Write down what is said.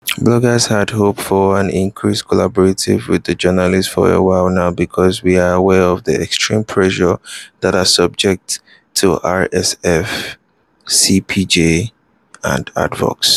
Bloggers had hoped for an increased collaboration with journalists for a while now because we were aware of the extreme pressure they are subject to (RSF, CPJ, Advox).